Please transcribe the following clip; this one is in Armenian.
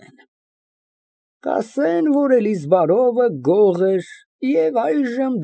ՏԵՍԻԼ մեկ ՄԱՐԳԱՐԻՏ ԵՎ ԲԱԳՐԱՏ ԲԱԳՐԱՏ ֊ (Դուրս է գալիս ձախ կողմի դռներից ֆրակով և կրծքին տեխնոլոգիական ճեմարանի նշան, փողկապը կապելով)։